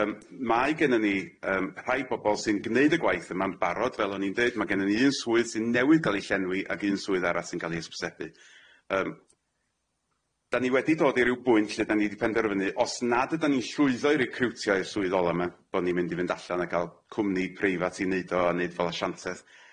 Yym mae gennyn ni yym rhai bobol sy'n gneud y gwaith yma'n barod fel o'n i'n deud ma' gennyn ni un swydd sy'n newydd ga'l ei llenwi ag un swydd arall sy'n ga'l ei ysbysebu. Yym dan ni wedi dod i ryw bwynt lle dan ni di penderfynu os nad ydan ni'n llwyddo i recriwtio i'r swydd ola yma bo' ni'n mynd i fynd allan a ca'l cwmni preifat i neud o a neud fel asianteth.